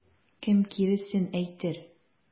Кем киресен әйтер?